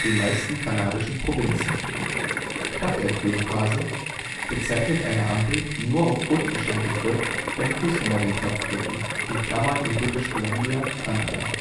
meisten kanadischen Provinzen. Statt der Grünphase: Bezeichnet eine Ampel, die nur auf Rot geschaltet wird, wenn Fußgänger den Knopf drücken (in British Columbia, Kanada